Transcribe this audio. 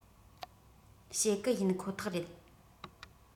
བྱེད གི ཡིན ཁོ ཐག རེད